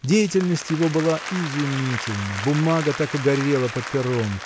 Деятельность его была изумительна, бумага так и горела под пером.